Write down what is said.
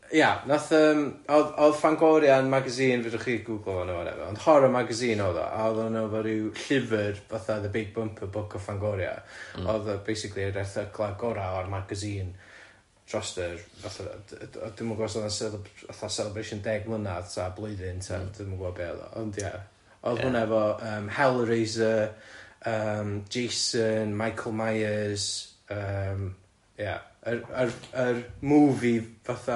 ia 'nath yym o'dd o'dd Fangoria yn magazine fedrwch chi gŵglo fo neu whatever ond Horror magazine o'dd o a o'dd o'n efo ryw llyfr fatha The Big Bumper Book of Fangoria o'dd o basically yr erthygla' gora' o'r magazine dros yr fatha dwi'm yn gwbod os o'dd o'n ce- fatha celebration deg mlynadd ta blwyddyn ta dwi'm yn gwbod be' o'dd o ond ia o'dd hwnna efo yym Hellraiser yym Jason, Michael Myers yym ia yr yr yr movie fatha